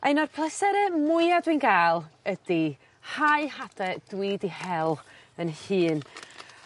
A un o'r plesere mwya dwi'n ga'l ydi hau hade dwi 'di hel 'yn hun.